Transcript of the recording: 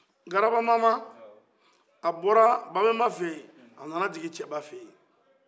grabamama a bɔra babɛba fɛ ye a nana jigin cɛba fɛ ye